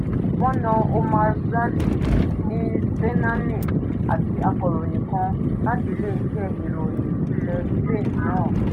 Wọ́n na Omar Radi, Hind Bennani, àti akọ̀ròyìn kan láti ilé-iṣẹ́ ìròyìn ilẹ̀ Spain náà.